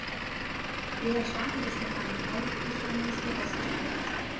Jeder Stachel ist mit einem Aufrichtemuskel ausgestattet.